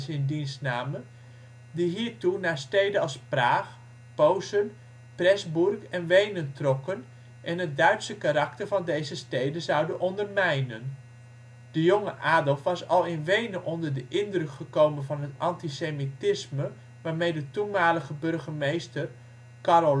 in dienst namen, die hiertoe naar steden als Praag, Posen, Pressburg en Wenen trokken en het Duitse karakter van deze steden zouden ondermijnen. De jonge Adolf was al in Wenen onder de indruk gekomen van het antisemitisme waarmee de toenmalige burgemeester, Karl